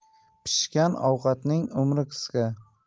pishgan ovqatning umri qisqa